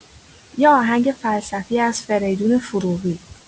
یه آهنگ فلسفی از فریدون فروغی